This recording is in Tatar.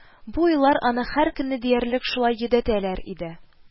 Бу уйлар аны һәр көнне диярлек шулай йөдәтәләр иде